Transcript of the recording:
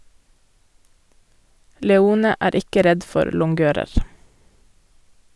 Leone er ikke redd for longører.